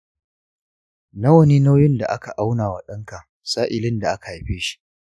nawa ne nauyin da aka auna wa ɗanka sa'ilin da aka haife shi?